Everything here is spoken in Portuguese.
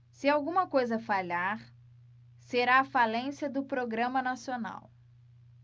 se alguma coisa falhar será a falência do programa nacional